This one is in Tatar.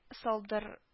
Салдыр